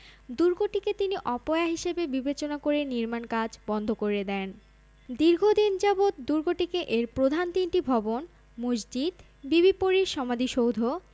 দুর্গটিকে তিনি অপয়া হিসেবে বিবেচনা করে নির্মাণ কাজ বন্ধ করে দেন দীর্ঘদিন যাবৎ দুর্গটিকে এর প্রধান তিনটি ভবন মসজিদ বিবি পরীর সমাধিসৌধ